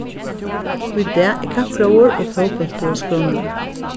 í dag er kappróður og fótbóltur á skránni